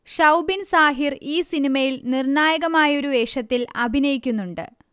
ഷൗബിൻ സാഹിർ ഈ സിനിമയിൽ നിർണായകമായൊരു വേഷത്തിൽ അഭിനയിക്കുന്നുണ്ട്